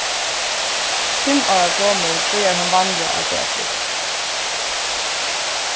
fimm ára gomul byrjar hon vanliga at bera frukt